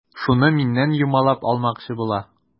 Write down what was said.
Шуны миннән юмалап алмакчы була.